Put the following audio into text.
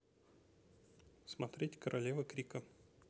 смотреть королевы крика